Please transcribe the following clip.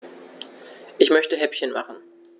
Ich möchte Häppchen machen.